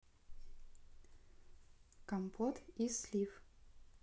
компот из слив